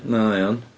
O, iawn.